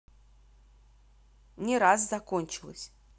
не раз закончилась